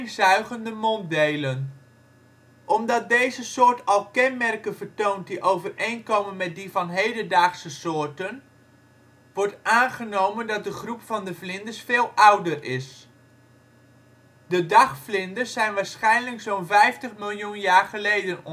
zuigende monddelen. Omdat deze soort al kenmerken vertoont die overeenkomen met die van hedendaagse soorten, wordt aangenomen dat de groep van de vlinders veel ouder is. De dagvlinders zijn waarschijnlijk zo 'n 50 miljoen jaar geleden